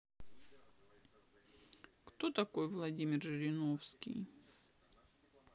кто такой владимир жириновский